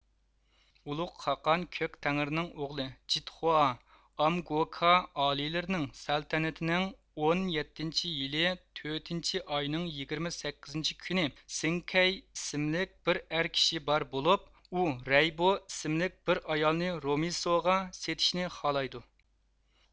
ئۇلۇغ خاقان كۆك تەڭرىنىڭ ئوغلى جىتخۇھا ئامگوكا ئالىيلىرىنىڭ سەلتەنىتىنىڭ ئون يەتتىنچى يىلى تۆتىنچى ئاينىڭ يىگىرمە سەككىزىنچى كۈنى سېڭكەي ئىسىملىك بىر ئەر كىشى بار بولۇپ ئۇ رەيبو ئىسىملىك بىر ئايالنى رومېيسۇغا سېتىشنى خالايدۇ